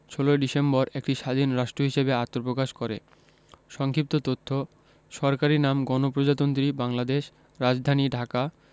১৬ December একটি স্বাধীন রাষ্ট্র হিসেবে আত্মপ্রকাশ করে সংক্ষিপ্ত তথ্য সরকারি নামঃ গণপ্রজাতন্ত্রী বাংলাদেশ রাজধানীঃ ঢাকা